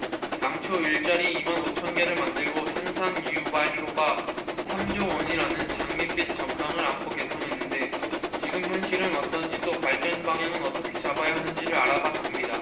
당초 일자리 이 만 오 천 개를 만들고 생산 유발효과 삼 조 원이라는 장밋빛 전망을 안고 개통했는데 지금 현실은 어떤지 또 발전 방향은 어떻게 잡아야 하는지를 알아봤습니다